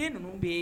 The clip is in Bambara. Ne ninnu bɛ yen